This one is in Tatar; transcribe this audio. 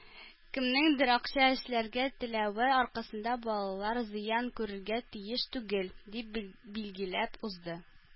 “кемнеңдер акча эшләргә теләве аркасында балалар зыян күрергә тиеш түгел”, - дип билгеләп узды.